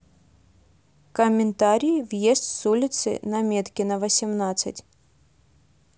комментарии въезд с улицы наметкина восемнадцать